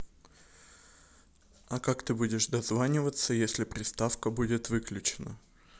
а как ты будешь дозваниваться если приставка будет выключена